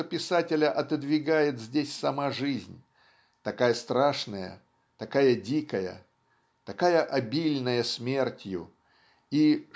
что писателя отодвигает здесь сама жизнь такая страшная такая дикая такая обильная смертью и